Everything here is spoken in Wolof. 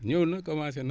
ñëw na commencé na